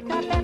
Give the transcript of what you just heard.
Sigiiga